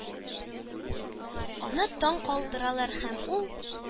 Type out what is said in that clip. Аны таң калдыралар, һәм ул